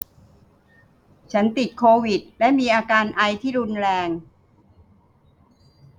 ฉันติดโควิดและมีอาการไอที่รุนแรง